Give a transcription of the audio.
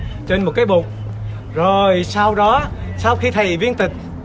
trên một cái bục rồi sau đó sau khi thầy viên tịch